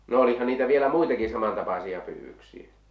no olihan niitä vielä muitakin samantapaisia pyydyksiä